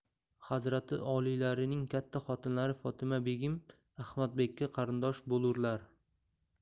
hazrati oliylarining katta xotinlari fotima begim ahmadbekka qarindosh bo'lurlar